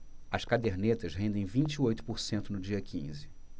as cadernetas rendem vinte e oito por cento no dia quinze